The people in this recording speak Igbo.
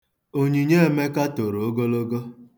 Onyinyo Emeka toro ogologo.